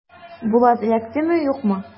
Булат эләктеме, юкмы?